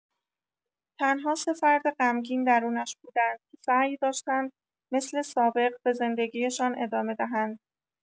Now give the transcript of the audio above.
تنها سه فرد غمگین درونش بودند که سعی داشتند مثل سابق به زندگی‌شان ادامه دهند.